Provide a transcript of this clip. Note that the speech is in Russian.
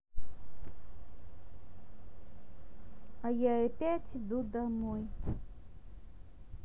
а я опять иду домой